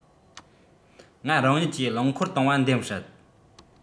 ང རང ཉིད ཀྱིས རླངས འཁོར བཏང བ འདེམས སྲིད